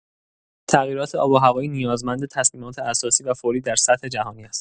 تغییرات آب و هوایی نیازمند تصمیمات اساسی و فوری در سطح جهانی است.